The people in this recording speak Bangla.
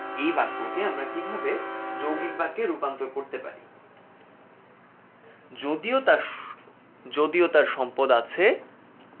এই বাক্যে আমরা কিভাবে যৌগিক বাক্যে রূপান্তর করতে পারি যদিও তার যদিও তার সম্পদ আছে